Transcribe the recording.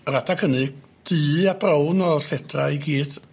A'r adag hynny du a brown o'dd lledra i gyd.